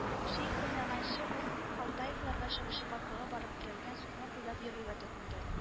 Чәй кайнаганчы ул Халтаевларга чыгучы капкага барып терәлгән сукмак буйлап йөрергә тотынды